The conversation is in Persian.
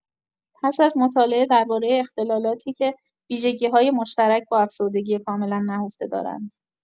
پس از مطالعه درباره اختلالاتی که ویژگی‌های مشترک با افسردگی کاملا نهفته دارند.